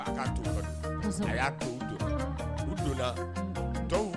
'a u don